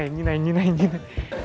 như này như này như này